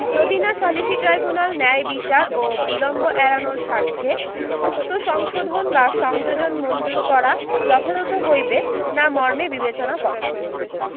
যদি না সালিসী ট্রাইব্যুনাল ন্যায়বিচার বা বিলম্ব এড়ানোর স্বার্থে উক্ত সংশোধন বা সংযোজন মঞ্জুর করা যথাযথ হইবে না মর্মে বিবেচনা করে